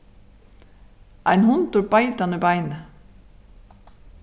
ein hundur beit hana í beinið